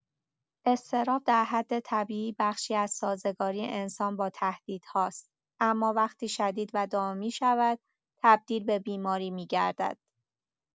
اضطراب در حد طبیعی بخشی از سازگاری انسان با تهدیدهاست، اما وقتی شدید و دائمی شود، تبدیل به بیماری می‌گردد.